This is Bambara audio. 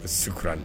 Sukura